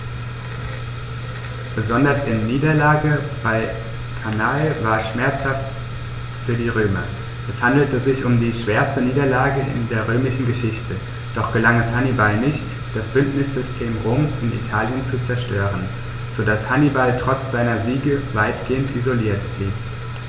Besonders die Niederlage bei Cannae war schmerzhaft für die Römer: Es handelte sich um die schwerste Niederlage in der römischen Geschichte, doch gelang es Hannibal nicht, das Bündnissystem Roms in Italien zu zerstören, sodass Hannibal trotz seiner Siege weitgehend isoliert blieb.